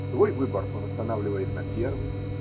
Свой выбор он останавливает на первой.